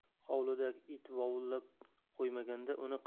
hovlidagi it vovullab qo'ymaganda